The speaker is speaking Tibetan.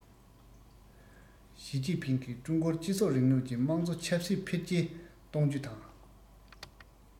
ཞིས ཅིན ཕིང གིས ཀྲུང གོར སྤྱི ཚོགས རིང ལུགས ཀྱི དམངས གཙོ ཆབ སྲིད འཕེལ རྒྱས གཏོང རྒྱུ དང